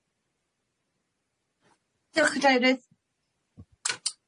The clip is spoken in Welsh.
Diolch cadeirydd.